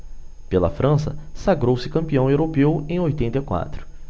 pela frança sagrou-se campeão europeu em oitenta e quatro